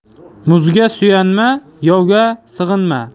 muzga suyanma yovga sig'inma